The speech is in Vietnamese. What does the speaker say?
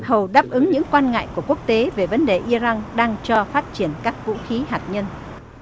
hầu đáp ứng những quan ngại của quốc tế về vấn đề i ran đang cho phát triển các vũ khí hạt nhân